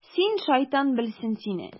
Син, шайтан белсен сине...